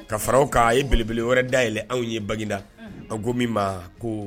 Ka faraw'a ye belebele wɛrɛ day yɛlɛ anw ye bangeda a ko min ma ko